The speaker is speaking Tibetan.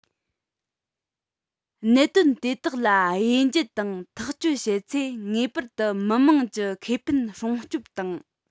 གནད དོན དེ དག ལ དབྱེ འབྱེད དང ཐག གཅོད བྱེད ཚེ ངེས པར དུ མི དམངས ཀྱི ཁེ ཕན སྲུང སྐྱོབ དང